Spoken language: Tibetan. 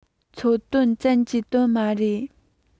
འཚོལ དོན ཙམ ཀྱི དོན མ རེད